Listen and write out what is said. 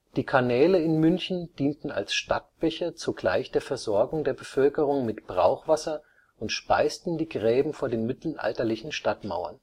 Die Kanäle in München dienten als Stadtbäche zugleich der Versorgung der Bevölkerung mit Brauchwasser und speisten die Gräben vor den mittelalterlichen Stadtmauern